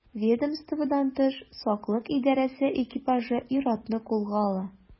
Ведомстводан тыш сак идарәсе экипажы ир-атны кулга ала.